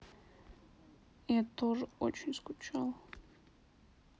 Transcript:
я тоже очень скучал